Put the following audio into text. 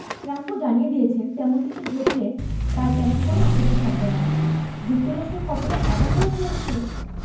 ট্রাম্পও জানিয়ে দিয়েছেন তেমন কিছু ঘটলে তাঁর তেমন কোনো আপত্তি থাকবে না যুক্তরাষ্ট্র কতটা একা হয়ে পড়েছে